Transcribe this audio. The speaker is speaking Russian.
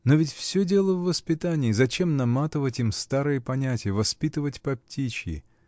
Но ведь всё дело в воспитании: зачем наматывать им старые понятия, воспитывать по-птичьи?